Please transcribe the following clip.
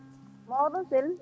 mawɗum selli